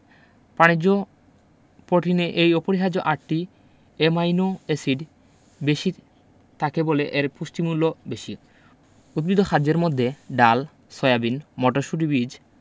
প্রাণিজ প্রোটিনে এই অপরিহার্য আটটি অ্যামাইনো এসিড বেশি থাকে বলে এর পুষ্টিমূল্য বেশি উদ্ভিজ্জ খাদ্যের মধ্যে ডাল সয়াবিন মটরশুটি বীজ